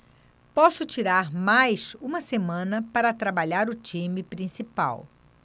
posso tirar mais uma semana para trabalhar o time principal